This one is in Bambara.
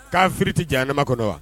K'a fili tɛ janma kɔnɔ wa